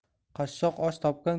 qashshoq osh topgan